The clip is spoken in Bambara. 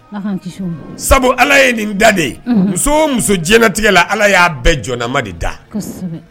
Ala kan kisi o ma, sabu Ala ye nin da de; muso o muso diɲɛ latigɛ la Ala y'a bɛɛ jɔnnama de da, kosɛbɛ.